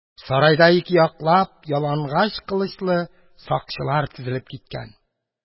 Сарайда ике яклап ялангач кылычлы сакчылар тезелеп киткән.